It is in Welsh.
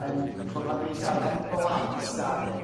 yrm d'ch'mod pan dyn ni'n siarad am blant a